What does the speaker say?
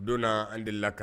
Don an de la